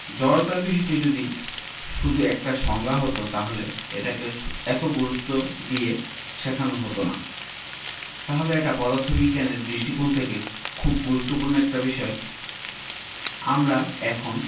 জড়তার বিষয়টি যদি শুধু একটা সংজ্ঞা হতো তাহলে এটাকে এত গুরুত্ব দিয়ে শেখানো হতো না আসলে এটা পদার্থবিজ্ঞানের দৃষ্টিকোণ থেকে খুব গুরুত্বপূর্ণ একটা বিষয় আমরা এখন